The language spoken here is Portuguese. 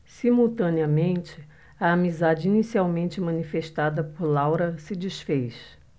simultaneamente a amizade inicialmente manifestada por laura se disfez